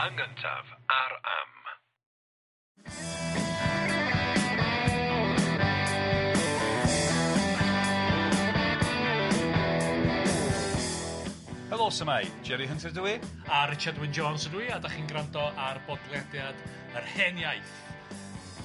Yn gyntaf, ar AM. Helo, su'mai? Jerry Hunter ydw i. A Richard Wyn Jones ydw i a 'dach chi'n grando ar bodlediad Yr Hen Iaith.